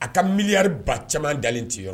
A ka miri ba caman dalen tɛ yɔrɔ